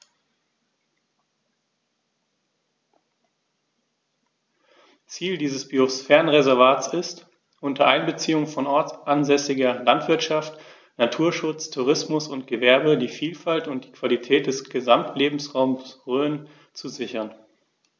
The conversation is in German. Ziel dieses Biosphärenreservates ist, unter Einbeziehung von ortsansässiger Landwirtschaft, Naturschutz, Tourismus und Gewerbe die Vielfalt und die Qualität des Gesamtlebensraumes Rhön zu sichern.